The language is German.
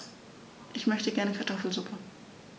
Ich möchte gerne Kartoffelsuppe.